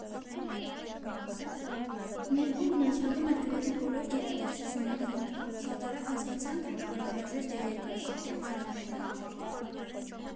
Մեր խումբն աշխատում էր գրեթե բոլոր գերատեսչությունների հետ, շատ արագ հասկացանք, որ անհրաժեշտ է երկարաժամկետ ծրագրեր առաջարկել։